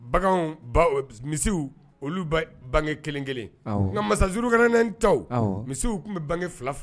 Baganw baw misiw olu bɛ bange kelen kelen. Nka masazuru kala naani taw misiw tun bɛ bange fila